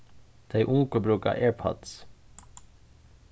tey ungu brúka airpods